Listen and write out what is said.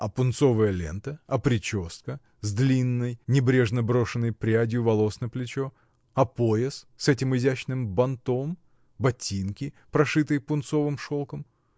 — А пунцовая лента, а прическа с длинной, небрежно брошенной прядью волос на плечо, а пояс с этим изящным бантом, ботинки, прошитые пунцовым шелком!